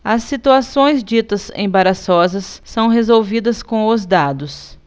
as situações ditas embaraçosas são resolvidas com os dados